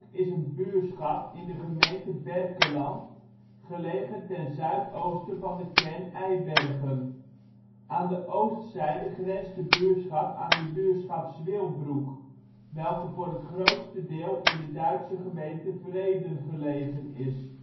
is een buurschap in de gemeente Berkelland, gelegen ten zuid-oosten van de kern Eibergen. Aan de oostzijde grenst de buurschap aan de buurschap Zwilbroek, welke voor het grootste deel in de Duitse gemeente Vreden gelegen is